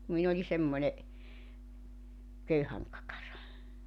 kun minä olin semmoinen köyhän kakara